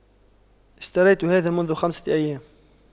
اشتريت هذا منذ خمسة أيام